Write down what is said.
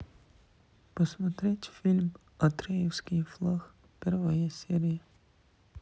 посмотреть фильм андреевский флаг первая серия